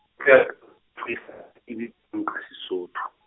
, Sesotho.